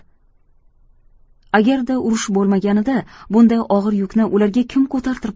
agarda urush bo'lmaganida bunday og'ir yukni ularga kim ko'tartirib